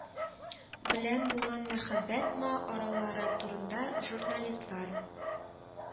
Белән булган мәхәббәт ма аралары турында журналистлар